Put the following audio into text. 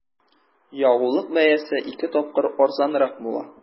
Ягулык бәясе ике тапкыр арзанрак була.